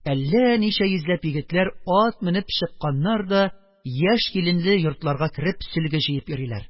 Әллә ничә йөзләп егетләр ат менеп чыкканнар да, яшь киленле йортларга кереп, сөлге җыеп йөриләр.